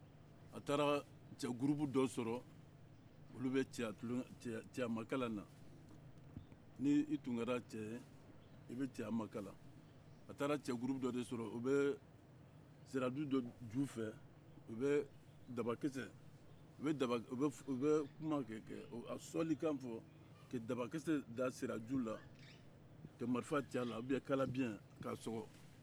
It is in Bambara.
a taara cɛ gurupu dɔ sɔrɔ olu bɛ cɛya makalan na ni i tun kɛra cɛ ye i bɛ ceya makalan a taara cɛ gurupu dɔ de sɔrɔ u bɛ siraju dɔ ju fɛ u bɛ dabakisɛ u bɛ a sɔnnikan fɔ ka dabakisɛ da siraju la ka marifa ci a la oubien kalabiyɛn k'a sɔgɔ